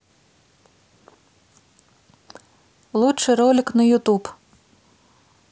лучший ролик на ютуб